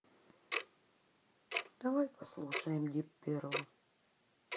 давай послушаем дип перпл